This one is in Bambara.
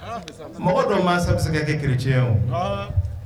Mɔgɔ dɔn maa bɛ se ka kɛ kerec o